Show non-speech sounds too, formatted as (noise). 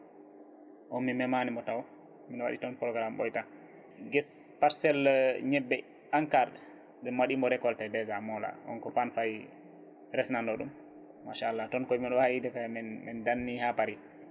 on mi memanimo taw mbiɗo waɗi toon programme ɓoyata (hesitation) parcelle ñebbe ENCAR ɗen mi waɗimo récolté déjà Moola on ko Faan Faye resnano ɗum machallah toon oy mbiɗa wawi wiide koye amen min danni ha paari